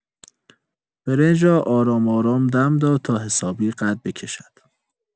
برنج را آرام‌آرام دم داد تا حسابی قد بکشد.